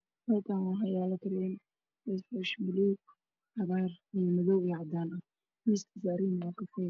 Meeshaan waxaa yaalo kareen fays woosh baluug cagaar iyo madow iyo cadaan ah miiska saaran yihiin waa kafay.